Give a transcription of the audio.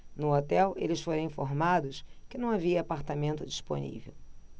no hotel eles foram informados que não havia apartamento disponível